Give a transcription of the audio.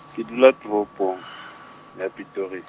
ke dula toropong, ya Pretori- .